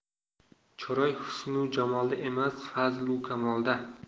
chiroy husn u jamolda emas fazl u kamolda